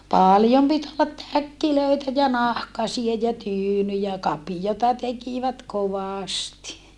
paljon piti olla täkkejä ja nahkaisia ja tyynyjä kapioita tekivät kovasti